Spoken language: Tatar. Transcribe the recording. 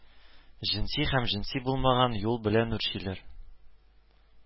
Җенси һәм җенси булмаган юл белән үрчиләр